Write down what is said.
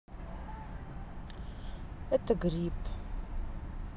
это грипп